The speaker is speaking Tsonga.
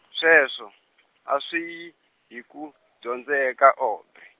sweswo , a swi, yi hi ku, dyondzeka, Audrey.